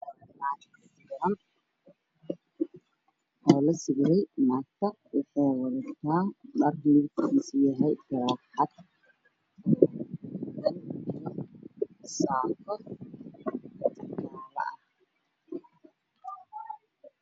Waxaa i mooqda sawir dumar ah waxa ay qabtaa dirac jaalla ah garbasar guduud ah fanaanad cadaan ah